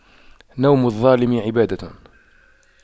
نوم الظالم عبادة